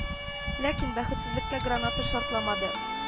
— ләкин, бәхетсезлеккә, граната шартламады